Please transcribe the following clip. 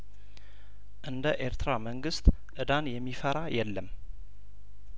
እንደ ኤርትራ መንግስት እዳንየሚፈራ የለም